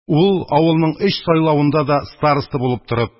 Ул, авылның өч сайлануында да староста булып торып,